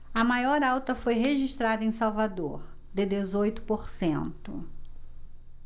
a maior alta foi registrada em salvador de dezoito por cento